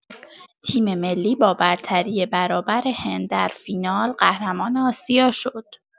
تیم‌ملی با برتری برابر هند در فینال، قهرمان آسیا شد.